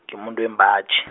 ngimumuntu wembaji .